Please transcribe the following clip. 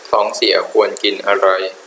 ท้องเสียควรกินอะไร